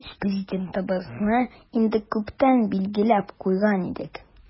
Үз Президентыбызны инде күптән билгеләп куйган идек.